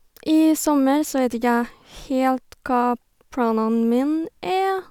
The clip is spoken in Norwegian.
I sommer så vet ikke jeg helt hva planene mine er.